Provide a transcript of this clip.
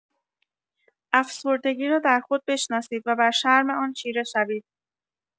افسردگی را در خود بشناسید، و بر شرم آن چیره شوید.